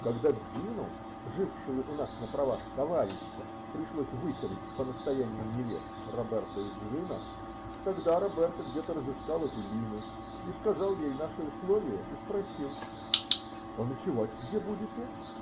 Когда Дзину, жившую у нас на правах "товарища", пришлось выселить по настоянию невест Роберто и Джино, тогда Роберто где-то разыскал эту Лину, сказал ей наши условия и спросил: -- А ночевать где будете?